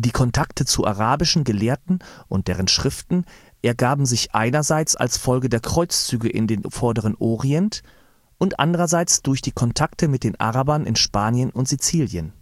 Kontakte zu arabischen Gelehrten und deren Schriften ergaben sich einerseits als Folge der Kreuzzüge in den Vorderen Orient und andererseits durch die Kontakte mit den Arabern in Spanien und Sizilien